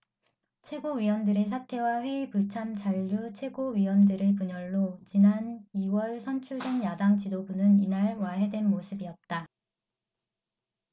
최고위원들의 사퇴와 회의 불참 잔류 최고위원들의 분열로 지난 이 월 선출된 야당 지도부는 이날 와해된 모습이었다